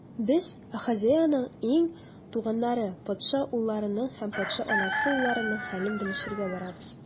Без - Ахазеянең ир туганнары, патша угылларының һәм патша анасы угылларының хәлен белешергә барабыз.